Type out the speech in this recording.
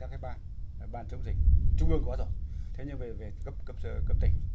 các cái bạn ban chống dịch trung ương có rồi thế nhưng về cấp cấp sở cấp tỉnh